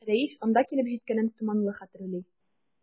Рәис анда килеп җиткәнен томанлы хәтерли.